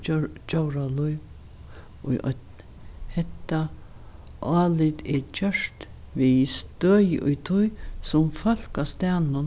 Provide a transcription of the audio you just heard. djóralív í oynni hetta álit er gjørt við støði í tí sum fólk á staðnum